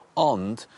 Ond